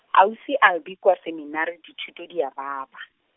ausi Albi kua Seminari, dithuto di a baba.